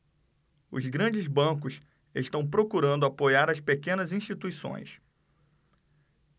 os grandes bancos estão procurando apoiar as pequenas instituições